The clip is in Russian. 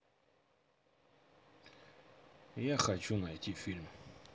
я хочу найти фильм